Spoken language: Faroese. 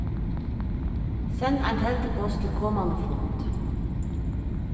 send ein teldupost til komandi fund